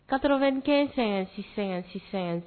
Kato bɛ kɛ---